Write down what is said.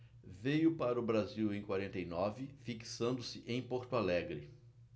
veio para o brasil em quarenta e nove fixando-se em porto alegre